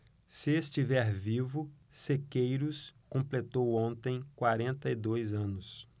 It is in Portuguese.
se estiver vivo sequeiros completou ontem quarenta e dois anos